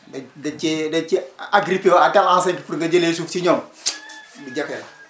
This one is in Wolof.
dañ dañ cee dañ ce agrippé wu à tel enseigne pour nga jëlee suuf si ñoom lu jafe la